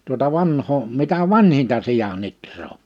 tuota vanhaa mitä vanhinta sian ihraa